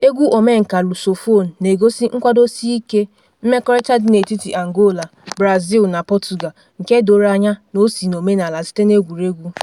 Egwu omenka Lusophone na-egosi nkwadosiike mmekọrịta dị n'etiti Angola, Brazil na Pọtụga- nke doro anya na o si n'omenaala site n'egwuregwu.